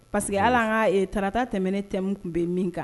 Parce que hal'an ka tarata tɛmɛnen theme tun bɛ min kan